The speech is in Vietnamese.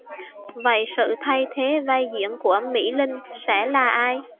vậy sự thay thế vai diễn của mỹ linh sẽ là ai